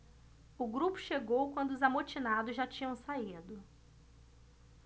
o grupo chegou quando os amotinados já tinham saído